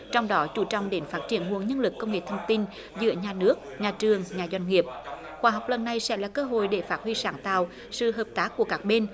trong đó chú trọng đến phát triển nguồn nhân lực công nghệ thông tin giữa nhà nước nhà trường nhà doanh nghiệp khóa học lần này sẽ là cơ hội để phát huy sáng tạo sự hợp tác của các bên